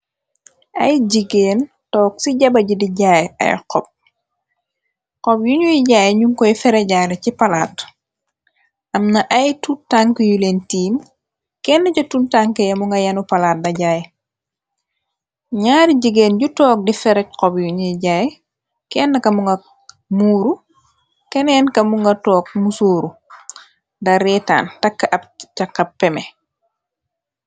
ay jigéen toog ci jabaj di jaay ay xob xob yu ñuy jaay ñu koy ferejaale ci palaat amna ay tun tank yu leen tiim kenn ca tun tank yamu nga yanu palaat da jaay ñaari jigéen ju toog di ferek xob yu ñuy jaay kenn kamu nga muuru keneen kamu nga toog musooru da reetaan takk ab caqab peme.